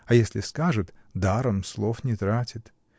а если скажет, даром слов не тратит.